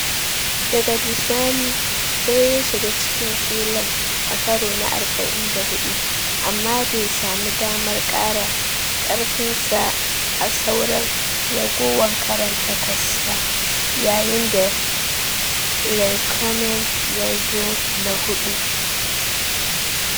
Daga bisani sai ya shiga cikin filin a karo na 44 amma bai sami damar kara karfinsa a sauran ragowan karon takwas ba yayin da Raikkonen yazo na hudu.